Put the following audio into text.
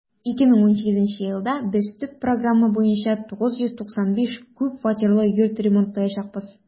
2018 елда без төп программа буенча 995 күп фатирлы йорт ремонтлаячакбыз.